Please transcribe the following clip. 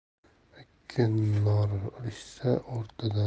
ikki nor urishsa